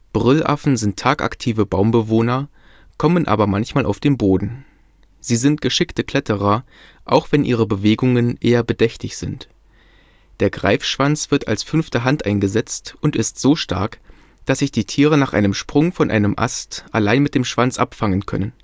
Brüllaffen sind tagaktive Baumbewohner, kommen aber manchmal auf den Boden. Sie sind geschickte Kletterer, auch wenn ihre Bewegungen eher bedächtig sind. Der Greifschwanz wird als fünfte Hand eingesetzt und ist so stark, dass sich die Tiere nach einem Sprung von einem Ast allein mit dem Schwanz abfangen können